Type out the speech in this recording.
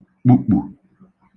kpukpù